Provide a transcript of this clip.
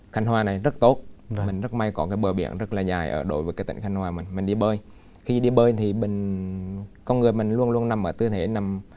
khánh hòa này rất tốt mình rất may có cái bờ biển rất là dài ở đối với cái tỉnh khánh hòa mình mình đi bơi khi đi bơi thì bình con người mình luôn luôn nằm ở tư thế nằm